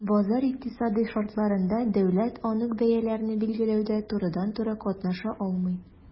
Базар икътисады шартларында дәүләт анык бәяләрне билгеләүдә турыдан-туры катнаша алмый.